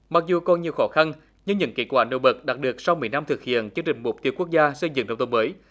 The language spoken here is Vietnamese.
mặc dù còn nhiều khó khăn nhưng những kết quả nổi bật đạt được sau mười năm thực hiện chương trình mục tiêu quốc gia xây dựng nông thôn mới